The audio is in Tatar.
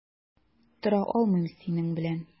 Тора алмыйм синең белән.